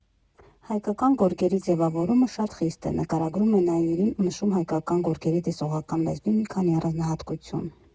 Հայկական գորգերի ձևավորումը շատ խիստ է, ֊ նկարագրում է Նայիրին ու նշում հայկական գորգերի տեսողական լեզվի մի քանի առանձնահատկություն.